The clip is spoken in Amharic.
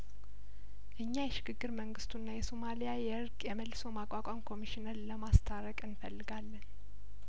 እኛ የሽግግር መንግስቱና የሶማሊያየእርቅ የመልሶ ማቋቋም ኮሚሽኑንን ለማስታረቅ እንፈልጋለን